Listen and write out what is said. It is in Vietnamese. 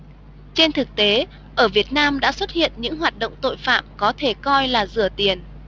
trên thực tế ở việt nam đã xuất hiện những hoạt động tội phạm có thể coi là rửa tiền